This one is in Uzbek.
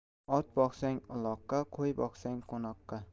ot boqsang uloqqa qo'y boqsang qo'noqqa